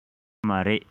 ཡོད མ རེད